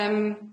Yym.